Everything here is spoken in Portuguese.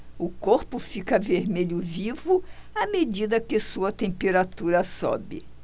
o corpo fica vermelho vivo à medida que sua temperatura sobe